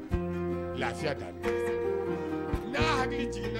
Ya jigin